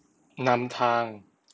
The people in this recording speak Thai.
นำทาง